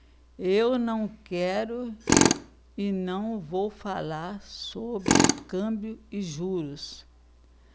eu não quero e não vou falar sobre câmbio e juros